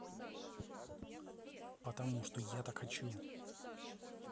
потому что я так хочу